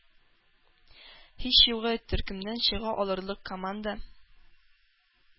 Һич югы, төркемнән чыга алырлык команда